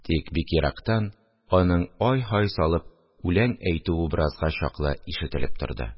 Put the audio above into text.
Тик бик ерактан аның ай-һай салып үләң әйтүе беразга чаклы ишетелеп торды